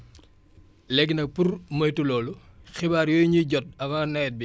léegi nag pour moytu loolu xibaar yooyu ñuy jot avant nawet bi